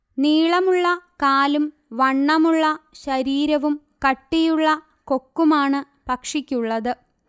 നീളമുള്ള കാലും വണ്ണമുള്ള ശരീരവും കട്ടിയുള്ള കൊക്കുമാണ് പക്ഷിക്കുള്ളത്